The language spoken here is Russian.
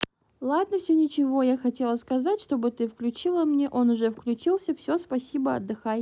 ладно все ничего я хотела сказать чтобы ты включила мне он уже включился все спасибо отдыхай